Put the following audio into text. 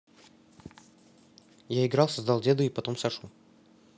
я играл создал деда и потом сошу